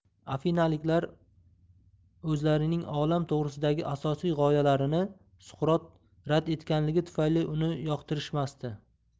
afinaliklar o'zlaryning olam to'g'risidagi asosiy goyalarini suqrot rad etganligi tufayli uni yoqtirishmasdi